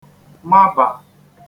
mabà